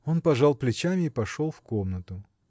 Он пожал плечами и пошел в комнату.